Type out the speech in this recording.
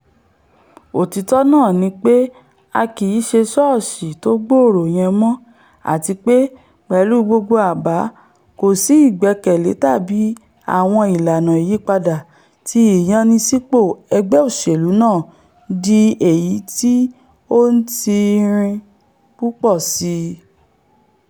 Òtítọ náà nipé a kìí ṣe sọọsi tó gbòòrò yẹn mọ́ àtipé pẹ̀lu gbogbo àbá ''kòsí-ìgbẹkẹ̀lé'' tabi àwọn ìlàna ìyípadà ti ìyannisipò ẹgbẹ òṣèlu náà ńdi èyití ó ńtín-ín-rín púpọ síi.